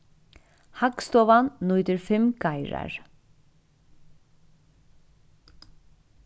hagstovan nýtir fimm geirar